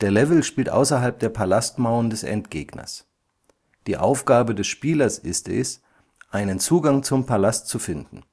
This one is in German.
Level spielt außerhalb der Palastmauern des Endgegners. Die Aufgabe des Spielers ist es, einen Zugang zum Palast finden